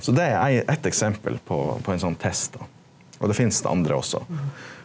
so det er eitt eksempel på på ein sånn test då og det finst andre også.